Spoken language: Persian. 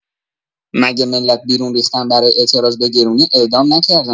مگه ملت بیرون ریختن برای اعتراض به گرونی اعدام نکردن؟